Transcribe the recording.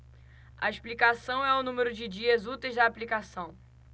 a explicação é o número de dias úteis da aplicação